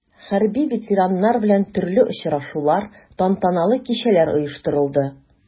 Хәрби ветераннар белән төрле очрашулар, тантаналы кичәләр оештырылды.